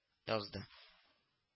Язды